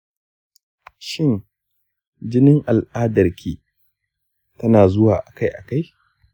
shin jinin al’adar ki tana zuwa a kai a kai?